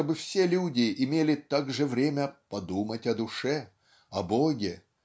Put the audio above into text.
чтобы все люди имели также время "подумать о душе о Боге